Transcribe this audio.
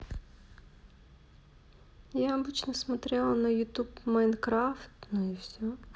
я обычно смотрела на youtube minecraft ну и все